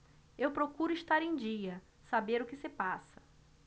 eu procuro estar em dia saber o que se passa